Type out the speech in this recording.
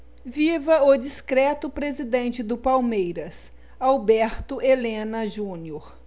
viva o discreto presidente do palmeiras alberto helena junior